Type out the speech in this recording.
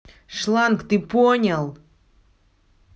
шланг ты понял